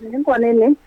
Nin kɔni nin